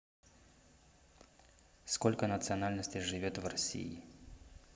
сколько национальностей живет в россии